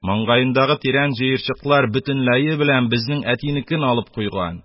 Маңгаендагы тирән жыерчыклар бөтенләе белән безнең әтинекен алып куйган,